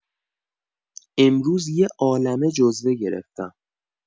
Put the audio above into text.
امروز یه عالمه جزوه گرفتم